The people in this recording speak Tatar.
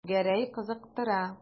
Гәрәй кызыктыра.